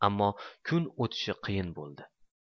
ammo kun o'tishi qiyin bo'ldi